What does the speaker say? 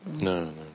Na na.